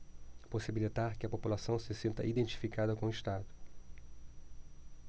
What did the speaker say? possibilitar que a população se sinta identificada com o estado